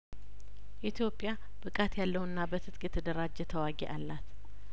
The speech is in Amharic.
ኢትዮጵያ ብቃት ያለውና በትጥቅ የደረጀ ተዋጊ አላት